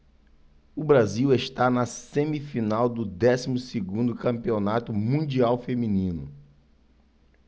o brasil está na semifinal do décimo segundo campeonato mundial feminino